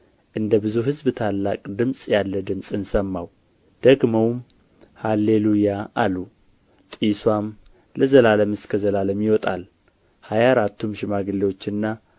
እንደ ብዙ ሕዝብ ታላቅ ድምፅ ያለ ድምፅን ሰማሁ ደግመውም ሃሌ ሉያ አሉ ጢስዋም ለዘላለም እስከ ዘላለም ይወጣል ሀያ አራቱም ሽማግሌዎችና